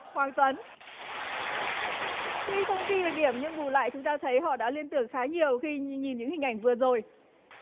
hoàng tuấn tuy không ghi được điểm nhưng bù lại chúng ta thấy họ đã liên tưởng khá nhiều khi nhìn những hình ảnh vừa rồi